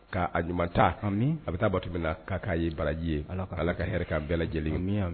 Ka a ɲuman taa a bɛ taa, ami, a bɛ taa bato bɛ na k'a k'a ye baraji ye, Ala ka hɛra kɛ bɛɛ lajɛlen, amina